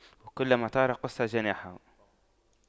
كلما طار قص جناحه